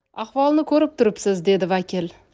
ahvolni ko'rib turibsiz dedi vakil